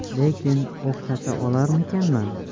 lekin o'xshata olarmikinman